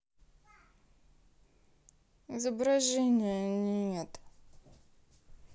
изображения нет